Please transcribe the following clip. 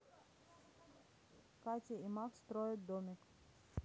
катя и макс строят домик